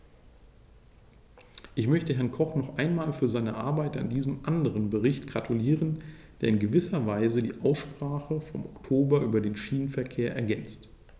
Ich möchte Herrn Koch noch einmal für seine Arbeit an diesem anderen Bericht gratulieren, der in gewisser Weise die Aussprache vom Oktober über den Schienenverkehr ergänzt.